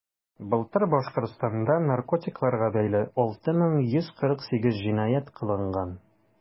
Былтыр Башкортстанда наркотикларга бәйле 6148 җинаять кылынган.